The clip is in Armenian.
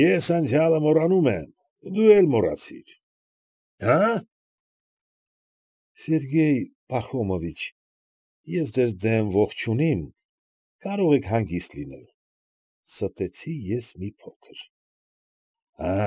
Ես անցյալը մոռանում եմ, դու էլ մոռացիր, աա՞… ֊ Սերգեյ Պախոմովիչ, ես ձեր դեմ ոխ չունիմ, կարող եք հանգիստ լինել,֊ ստեցի ես մի փոքր։ ֊